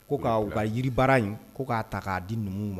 Ko ka u ka jiribaara in, ko k'a ta k'a di numuw ma